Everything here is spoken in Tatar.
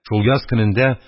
Шул яз көнендә,